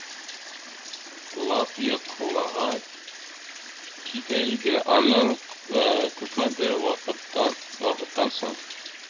Лап йокыга китә иде, аннан күпмедер вакыттан соң